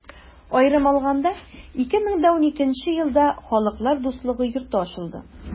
Аерым алаганда, 2012 нче елда Халыклар дуслыгы йорты ачылды.